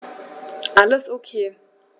Alles OK.